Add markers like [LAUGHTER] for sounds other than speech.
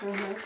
[HESITATION] [HESITATION]